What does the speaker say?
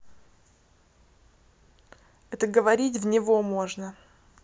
это говорить в него можно